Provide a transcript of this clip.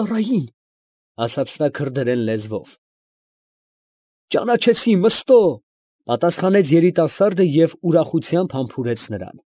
Ծառային, ֊ ասաց նա քրդերեն լեզվով։ ֊ Ճանաչեցի, Մըստո, ֊ պատասխանեց երիտասարդը և ուրախությամբ համբուրեց նրան։